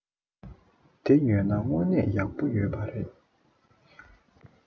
འདི ཉོས ན སྔོན ནས ཡག པོ ཡོད པ རེད